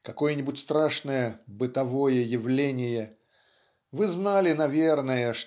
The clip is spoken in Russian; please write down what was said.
какое-нибудь страшное "бытовое явление" вы знали наверное